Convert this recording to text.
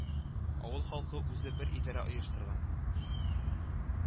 Авыл халкы үзе бер идарә оештырган